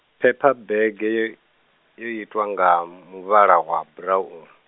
phephabege yo i yo itwa nga muvhala wa buraunu.